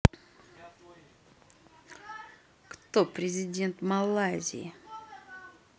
кто президент малайзии